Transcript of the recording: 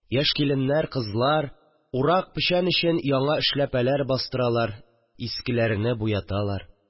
Яшь киленнәр, кызлар, урак, печән өчен яңа эшләпәләр бастыралар, искеләрене буяталар